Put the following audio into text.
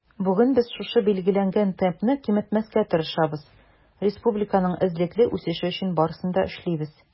Бүген без шушы билгеләнгән темпны киметмәскә тырышабыз, республиканың эзлекле үсеше өчен барысын да эшлибез.